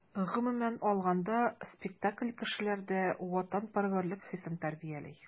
Гомумән алганда, спектакль кешеләрдә ватанпәрвәрлек хисен тәрбияли.